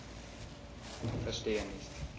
Verstehe nicht.